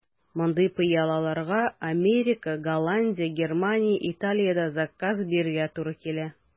Мондый пыялаларга Америка, Голландия, Германия, Италиядә заказ бирергә туры килә.